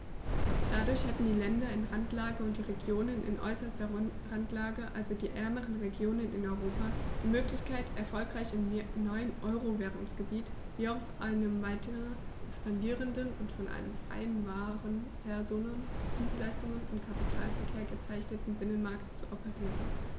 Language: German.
Dadurch hätten die Länder in Randlage und die Regionen in äußerster Randlage, also die ärmeren Regionen in Europa, die Möglichkeit, erfolgreich im neuen Euro-Währungsgebiet wie auch auf einem weiter expandierenden und von einem freien Waren-, Personen-, Dienstleistungs- und Kapitalverkehr gekennzeichneten Binnenmarkt zu operieren.